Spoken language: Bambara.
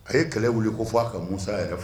A ye kɛlɛ wuli ko fɔ a ka musa yɛrɛ